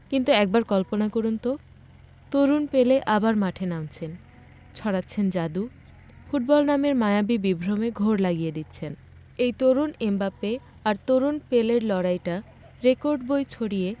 কিন্তু একবার কল্পনা করুন তো তরুণ পেলে আবার মাঠে নামছেন ছড়াচ্ছেন জাদু ফুটবল নামের মায়াবী বিভ্রমে ঘোর লাগিয়ে যাচ্ছেন এই তরুণ এমবাপ্পে আর তরুণ পেলের লড়াইটা রেকর্ড বই ছড়িয়ে